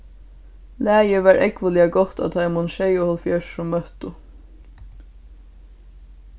lagið var ógvuliga gott á teimum sjeyoghálvfjerðs sum møttu